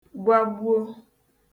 gwagbuo